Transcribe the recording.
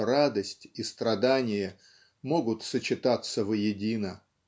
что радость и страдание могут сочетаться воедино.